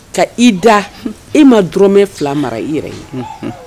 Ka i da e ma dɔrɔnmɛ fila mara i yɛrɛ ye